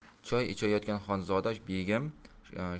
choy ichayotgan xonzoda begim